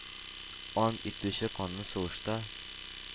Ант итүче канлы сугышта?